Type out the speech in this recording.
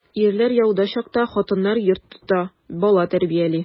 Ирләр яуда чакта хатыннар йорт тота, бала тәрбияли.